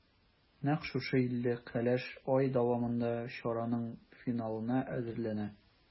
Нәкъ шушы илле кәләш ай дәвамында чараның финалына әзерләнә.